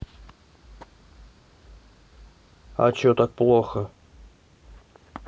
а че так плохо